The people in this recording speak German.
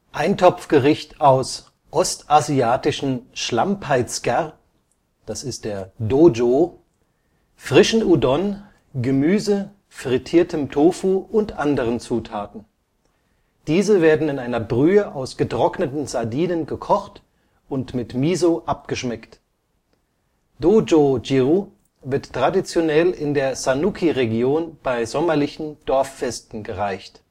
Eintopfgericht aus Ostasiatischen Schlammpeitzger (dojō), frischen Udon, Gemüse, frittiertem Tofu und anderen Zutaten. Diese werden in einer Brühe aus getrockneten Sardinen gekocht und mit Miso abgeschmeckt. Dojojiru wird traditionell in der Sanuki-Region bei sommerlichen Dorffesten gereicht